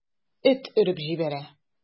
Эт өреп җибәрә.